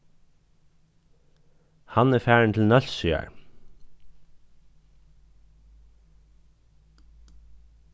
hann er farin til nólsoyar